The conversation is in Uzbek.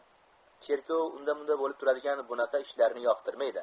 cherkov unda munda bolib turadigan bunaqa ishlarni yoqtirmaydi